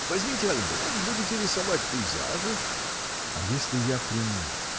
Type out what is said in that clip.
Возьмите альбом: будете рисовать пейзажи. — А если я приму?